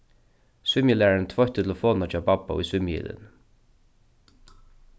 svimjilærarin tveitti telefonina hjá babba í svimjihylin